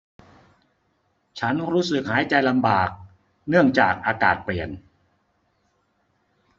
ฉันรู้สึกหายใจลำบากเนื่องจากอากาศเปลี่ยน